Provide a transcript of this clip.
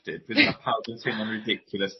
pawb yn teimlo'n ridicoulous